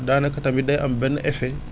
daanaka tamit day am benn effet